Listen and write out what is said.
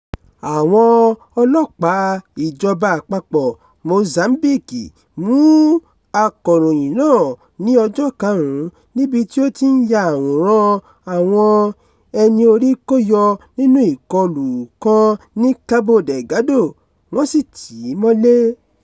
Àwọn ọlọ́pàá ìjọba àpapọ̀ Mozambique mú akọ̀ròyìn náà ní ọjọ́ 5 níbi tí ó ti ń ya àwòrán àwọn ẹni-orí-kó-yọ nínú ìkọlù kan ní Cabo Delgado, wọ́n sì tì í mọ́lé.